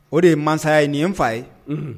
O de ye mansaya ye nin ye n fa ye